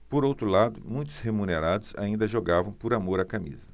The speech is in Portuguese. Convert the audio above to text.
por outro lado muitos remunerados ainda jogavam por amor à camisa